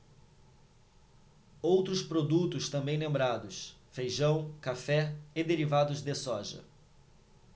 outros produtos também lembrados feijão café e derivados de soja